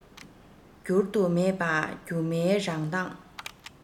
བསྒྱུར དུ མེད པ སྒྱུ མའི རང མདངས